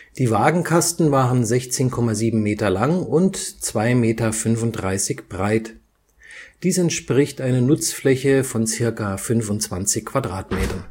Die Wagenkasten waren 16,7 Meter lang und 2,35 Meter breit. Dies entspricht eine Nutzfläche von circa 25 Quadratmetern